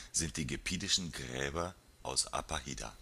sind die gepidischen Gräber aus Apahida